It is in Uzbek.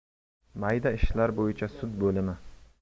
mayda ishlar bo'yicha sud bo'limi